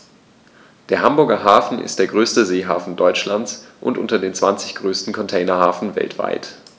Der Hamburger Hafen ist der größte Seehafen Deutschlands und unter den zwanzig größten Containerhäfen weltweit.